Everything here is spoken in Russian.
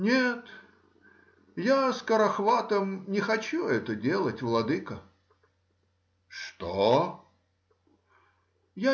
— Нет, я скорохватом не хочу это делать, владыко. — Что-о-о!